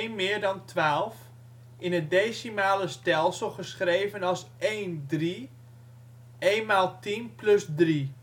meer dan twaalf, in het decimale stelsel geschreven als 13, één maal tien plus drie